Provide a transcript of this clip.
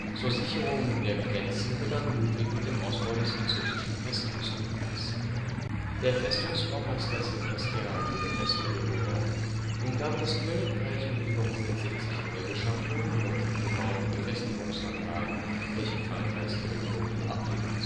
Zur Sicherung der Grenzen begann Ludwig mit dem Ausbau des französischen Festungsgürtels. Der Festungsbaumeister Sébastien le Prestre de Vauban umgab das Königreich mit über 160 neugeschaffenen oder umgebauten Befestigungsanlagen, welche Frankreichs Territorien abriegeln